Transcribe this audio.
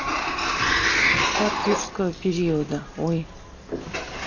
парк юрского периода ой